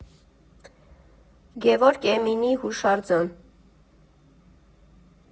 Գևորգ Էմինի հուշարձան։